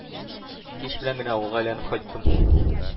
Кич белән генә авылга әйләнеп кайттым.